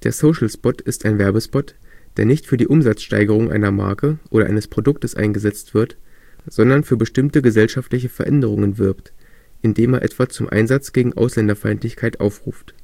Spot ist ein Werbespot, der nicht für die Umsatzsteigerung einer Marke oder eines Produktes eingesetzt wird, sondern für bestimmte gesellschaftliche Veränderungen wirbt, indem er etwa zum Einsatz gegen Ausländerfeindlichkeit aufruft